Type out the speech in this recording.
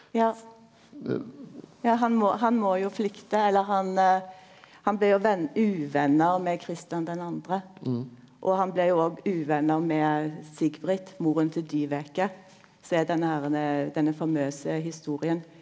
ja ja han må han må jo flykte eller han han blir jo venn uvenner med Christian den andre og han blir jo òg uvenner med Sigbrit moren til Dyveke som er denne herne denne famøse historia.